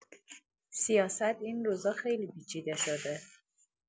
سیاست این روزا خیلی پیچیده شده.